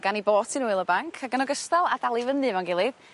...gan 'i bot hi'n wyl y banc ac yn ogystal â dal i fyny efo'n gilydd